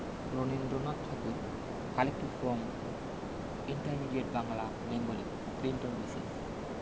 Rabindranath Tagore collected from intermediate Bangla Bengali Clinton B Seely